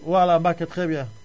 voilà Mbacke Très bien